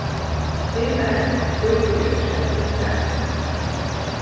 sig mær hví tú ikki vilt fara